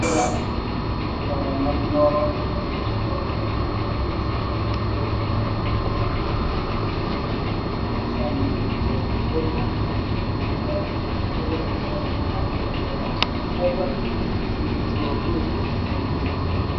Meesha waa meel hool ah oo aroos lagu dhigaayo